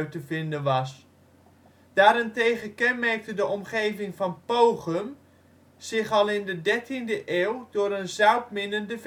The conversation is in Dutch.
te vinden was. Daarentegen kenmerkte de omgeving van Pogum zich al in de dertiende eeuw door een zoutminnende